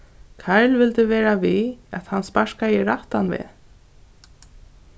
karl vildi vera við at hann sparkaði rættan veg